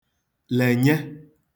lènye